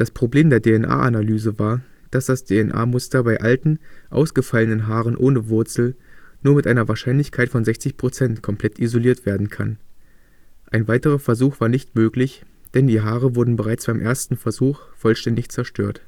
Problem der DNA-Analyse war, dass das DNA-Muster bei alten, ausgefallenen Haaren ohne Wurzel nur mit einer Wahrscheinlichkeit von 60 Prozent komplett isoliert werden kann. Ein weiterer Versuch war nicht möglich, denn die Haare wurden bereits beim ersten Versuch vollständig zerstört